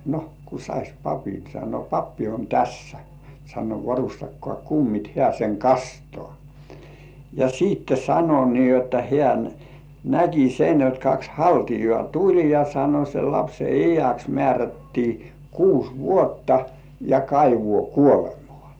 no kun saisi papin sanoi pappi on tässä sanoi varustakaa kummit hän sen kastaa ja sitten sanoi niin jotta hän näki sen jotta kaksi haltiaa tuli ja sanoi sen lapsen iäksi määrättiin kuusi vuotta ja kaivoon kuolemaan